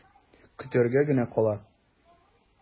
Көтәргә генә кала.